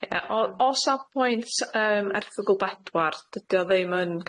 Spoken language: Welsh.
Ie o o sawl pwynt yym erthygl bedwar dydi o ddim yn